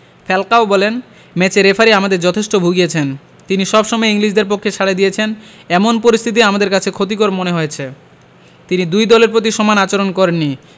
Falcao বলেন ম্যাচে referee আমাদের যথেষ্ট ভুগিয়েছেন তিনি সবসময় ইংলিশদের পক্ষে সাড়া দিয়েছেন এমন পরিস্থিতি আমাদের কাছে ক্ষতিকর মনে হয়েছে তিনি দুই দলের প্রতি সমান আচরণ করেননি